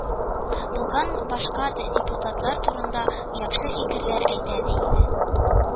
Булган башка депутатлар турында яхшы фикерләр әйтә иде